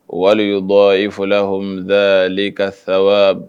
Wali' bɔ ifɔ la hmisali ka saba